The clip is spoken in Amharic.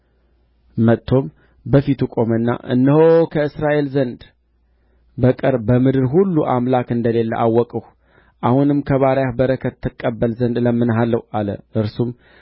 ወረደም የእግዚአብሔርም ሰው እንደ ተናገረው በዮርዳኖስ ሰባት ጊዜ ብቅ ጥልቅ አለ ሥጋውም እንደ ገና እንደ ትንሽ ብላቴና ሥጋ ሆኖ ተመለሰ ንጹሕም ሆነ እርሱም ከጭፍራው ሁሉ ጋር ወደ እግዚአብሔር ሰው ተመለሰ